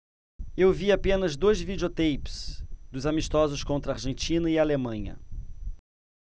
eu vi apenas dois videoteipes dos amistosos contra argentina e alemanha